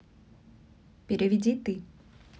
переведи ты